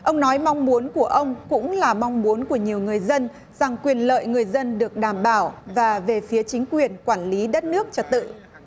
ông nói mong muốn của ông cũng là mong muốn của nhiều người dân rằng quyền lợi người dân được đảm bảo và về phía chính quyền quản lý đất nước trật tự